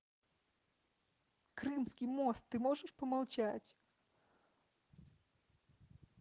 крымский мост ты можешь помолчать